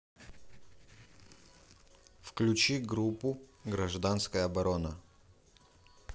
включи группу гражданская оборона